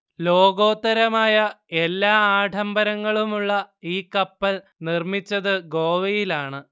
ലോകോത്തരമായ എല്ലാ ആഡംബരങ്ങളുമുള്ള ഈ കപ്പൽ നിർമ്മിച്ചത് ഗോവയിലാണ്